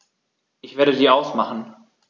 Ich werde sie ausmachen.